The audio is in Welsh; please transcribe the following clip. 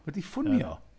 Wedi ffwnio?